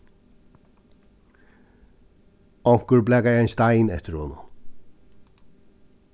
onkur blakaði ein stein eftir honum